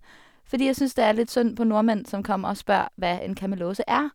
Fordi jeg syns det er litt synd på nordmenn som kommer og spør hva en Kamelose er.